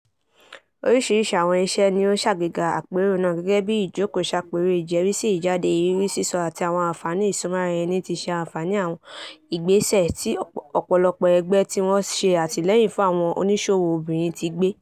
Oríṣiríṣi àwọn iṣẹ́ ni ó ṣàgbéga àpérò náà, gẹ́gẹ́ bíi ìjókòó-ṣàpérò, ìjẹ́rìísí ìjáde, ìrírí sísọ àti àwọn àǹfààní ìsúnmọ́raẹni ti ṣe àfihàn àwọn ìgbésẹ̀ tí ọ̀pọ̀lọpọ̀ ẹgbẹ́ tí wọ́n ṣe ṣàtìlẹ́yìn fún àwọn oníṣòwò obìnrin ti gbé.